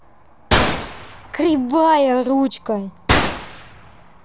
кривая ручка